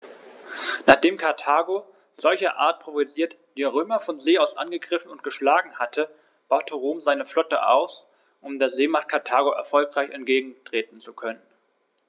Nachdem Karthago, solcherart provoziert, die Römer von See aus angegriffen und geschlagen hatte, baute Rom seine Flotte aus, um der Seemacht Karthago erfolgreich entgegentreten zu können.